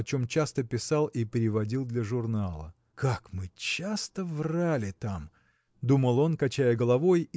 о чем часто писал и переводил для журнала. Как мы часто врали там. – думал он качая головой